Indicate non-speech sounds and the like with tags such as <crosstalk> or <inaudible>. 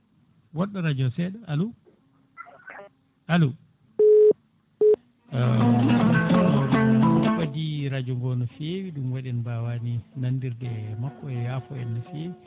woɗɗo radio o seeɗa allo allo <noise> <music> omo ɓaadi radio go o fewi ɗum waɗi en mbawani nanodirde e makko e yaafo en no fewi